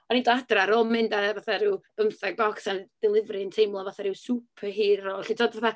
O'n i'n dod adra ar ôl mynd â fatha ryw bymtheg bocs ar delivery yn teimlo fatha ryw superhero 'lly, tibod fatha...